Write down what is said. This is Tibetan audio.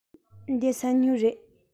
འདི ས སྨྱུག རེད